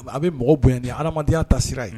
A bɛ mɔgɔ bonya ni adamadamadenya taa sira ye